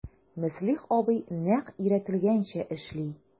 Мөслих абый нәкъ өйрәтелгәнчә эшли...